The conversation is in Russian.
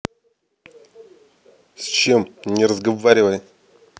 с чем не разговаривай